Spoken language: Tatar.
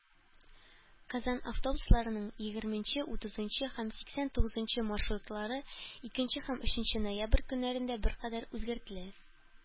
Казан автобусларының егерменче, утызынчы һәм сиксән тугызынчы маршрутлары икенче һәм өченче ноябрь көннәрендә беркадәр үзгәртелә.